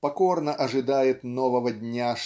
покорно ожидает нового дня